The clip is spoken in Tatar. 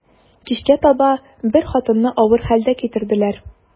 Кичкә таба бер хатынны авыр хәлдә китерделәр.